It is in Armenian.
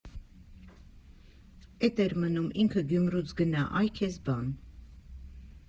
Էդ էր մնում, ինքը Գյումրուց գնա, այ քեզ բան։